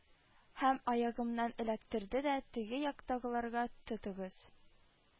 Һәм аягымнан эләктерде дә теге яктагыларга: «тотыгыз